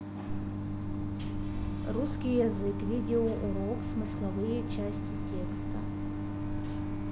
русский язык видеоурок смысловые части текста